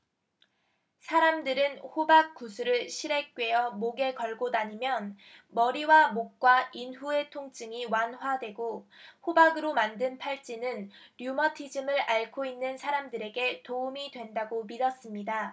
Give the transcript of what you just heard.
사람들은 호박 구슬을 실에 꿰어 목에 걸고 다니면 머리와 목과 인후의 통증이 완화되고 호박으로 만든 팔찌는 류머티즘을 앓고 있는 사람들에게 도움이 된다고 믿었습니다